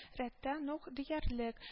Рәттән үк диярлек